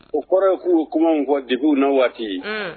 O kɔrɔ ye k'u kuma kɔ de na waati